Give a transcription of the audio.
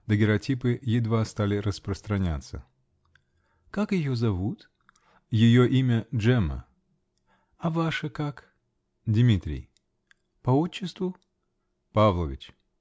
Дагерротипы едва стали распространяться. )-- Как ее зовут? -- Ее имя -- Джемма. -- А ваше -- как? -- Димитрий. -- По отчеству? -- Павлович.